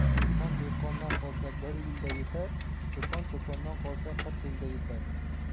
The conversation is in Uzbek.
dehqon dehqondan qolsa bir yilda yetar cho'pon cho'pondan qolsa qirq yilda yetar